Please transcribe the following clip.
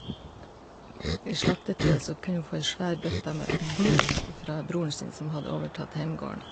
I slaktetida så kunne hun få ei svær bøtte med blod ifra broren sin, som hadde overtatt heimgården.